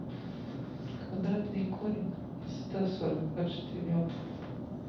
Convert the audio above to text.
квадратный корень из ста сорока четырех